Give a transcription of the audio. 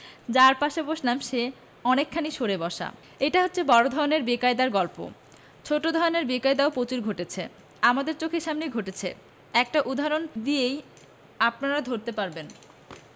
যার পাশে বসলাম সে অনেকখানি সরে বসা এটা হচ্ছে বড় ধরনের বেকায়দার গল্প ছোট ধরনের বেকায়দাও প্রচুর ঘটছে আমাদের চোখের সামনেই ঘটছে একটা উদাহরণ দিয়েই আপনারা ধরতে পারবেন